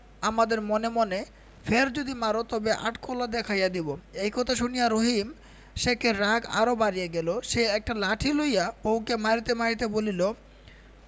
আমাদের মনে মনে ফের যদি মার তবে আট কলা দেখাইয়া দিব এই কথা শুনিয়া রহিম শেখের রাগ আরও বাড়িয়া গেল সে একটা লাঠি লইয়া বউকে মারিতে মারিতে বলিল